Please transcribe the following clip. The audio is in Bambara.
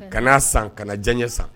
Ka'a san kana na jan ye san